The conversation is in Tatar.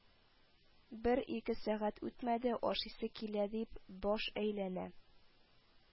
Бер-ике сәгать үтмәде, ашыйсы килә дип, баш әйләнә